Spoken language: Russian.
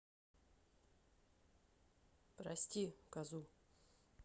прости козу